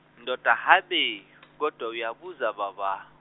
ndoda habe kodwa uyabuza baba.